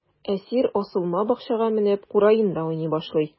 Әсир асылма бакчага менеп, кураенда уйный башлый.